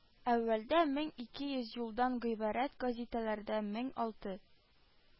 Әүвәлдә мең ике йөз юлдан гыйбарәт гәзитәләрдә мең алты